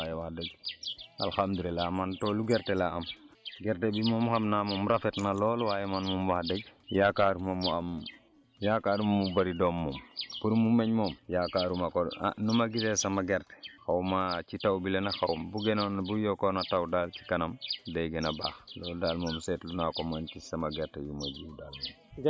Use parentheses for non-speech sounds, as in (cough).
waaw waaye wax dëgg (noise) alhamdulilah man toolu gerte laa am gerte bi moom xam naa moom rafet na lool waaye man moom wax dëgg yaakaaruma mu am yaakaaruma mu bëri doom moom pour mu meññ moom yaakaaruma ko de ah nu ma gisee sama gerte xaw ma ci taw bi la nag xaw ma bu gënoon bu yokkoon taw daal ci kanam day gën a baax loolu daal moom seetlu naa ko man ci sama gerte gi ma jiw daal